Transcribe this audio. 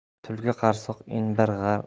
tulki qarsoq ini bir